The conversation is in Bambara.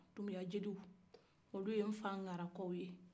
dumuya jeliw olu ye nfa gara kaw ye